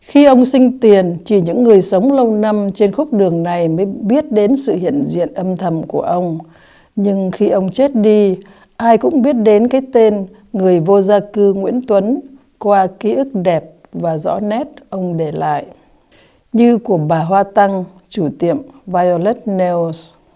khi ông sinh tiền chỉ những người sống lâu năm trên khúc đường này mới biết đến sự hiện diện âm thầm của ông nhưng khi ông chết đi ai cũng biết đến cái tên người vô gia cư nguyễn tuấn qua ký ức đẹp và rõ nét ông để lại như của bà hoa tăng chủ tiệm vai ô lét nêu